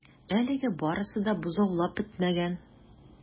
Әлегә барысы да бозаулап бетмәгән.